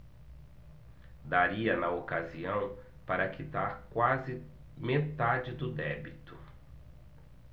daria na ocasião para quitar quase metade do débito